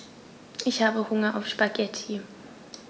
Ich habe Hunger auf Spaghetti.